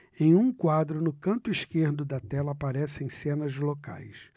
em um quadro no canto esquerdo da tela aparecem cenas locais